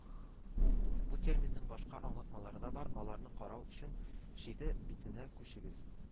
Бу терминның башка аңлатмалары да бар, аларны карау өчен Шиде битенә күчегез